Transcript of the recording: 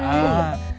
gần